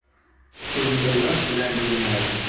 ko'zida yosh bilan jilmaydi